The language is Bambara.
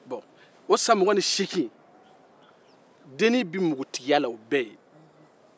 o san mugan ni seegin bɛɛ y'a sɔrɔ dennin bɛ npogotigiya la